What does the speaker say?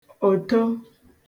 òto